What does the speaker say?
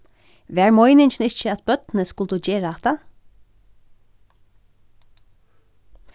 var meiningin ikki at børnini skuldu gera hatta